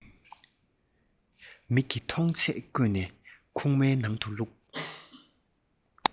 མིག གིས མཐོང ཚད བརྐོས ནས ཁུག མའི ནང དུ བླུགས